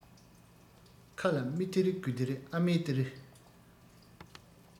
ཁ ལ མི སྟེར དགུ སྟེར ཨ མས སྟེར